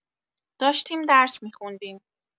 داشتیم درس می‌خوندیم.